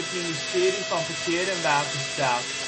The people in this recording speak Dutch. Ministerie van Verkeer en Waterstaat